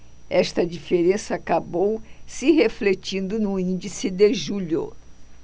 esta diferença acabou se refletindo no índice de julho